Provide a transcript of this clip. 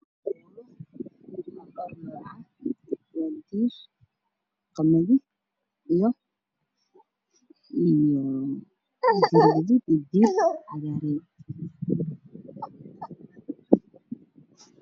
qamadi iyo ma